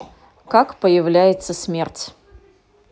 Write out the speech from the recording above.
как появляется смерть